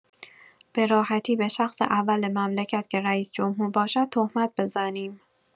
به راحتی به شخص اول مملکت که رئیس‌جمهور باشد تهمت بزنیم